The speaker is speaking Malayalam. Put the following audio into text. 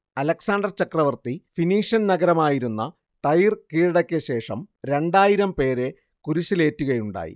അലക്സാണ്ടർ ചക്രവർത്തി ഫിനീഷ്യൻ നഗരമായിരുന്ന ടൈർ കീഴടക്കിയശേഷം രണ്ടായിരം പേരെ കുരിശിലേറ്റുകയുണ്ടായി